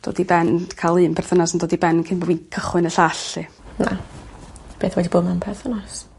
dod i ben ca'l un perthynas yn dod i ben cyn bo' fi'n cychwyn y llall 'lly. Na. Byth wedi bod mewn perthynas.